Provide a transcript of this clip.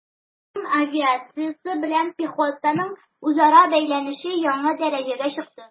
Һөҗүм авиациясе белән пехотаның үзара бәйләнеше яңа дәрәҗәгә чыкты.